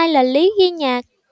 là lý duy nhạc